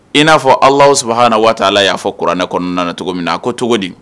I n'a fɔ allahu subahanahu wa taala y'a fɔ kuranɛ kɔnɔna na cogo min na, a ko cogo di?